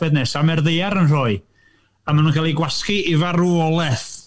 Peth nesaf, mae'r ddaear yn rhoi a maen nhw'n cael eu gwasgu i farwolaeth.